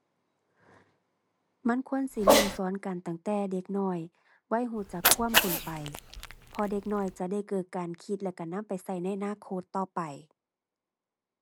มันควรสิเริ่มสอนกันตั้งแต่เด็กน้อย วัยรู้จักความพู้นไป เพราะเด็กน้อยจะได้เกิดการคิดและรู้นำไปรู้ในอนาคตต่อไป